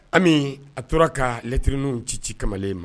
Ami a tora ka lettres ci ci kamalen ma.